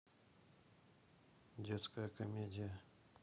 детская комедия